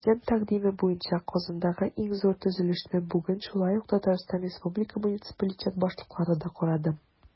Президент тәкъдиме буенча Казандагы иң зур төзелешне бүген шулай ук ТР муниципалитет башлыклары да карады.